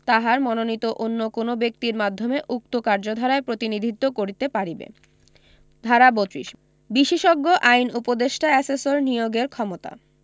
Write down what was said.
তাহার মনোনীত অন্য কোন ব্যক্তির মাধ্যমে উক্ত কার্যধারায় প্রতিনিধিত্ব করিতে পারিবে ধারা ৩২ বিশেষজ্ঞ আইন উপদেষ্টা এসেসর নিয়োগের ক্ষমতা